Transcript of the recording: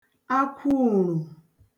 akwa ùrù